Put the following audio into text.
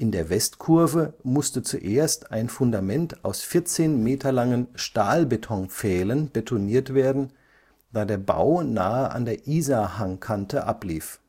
der Westkurve musste zuerst ein Fundament aus 14 Meter langen Stahlbetonpfählen betoniert werden, da der Bau nahe an der Isarhangkante ablief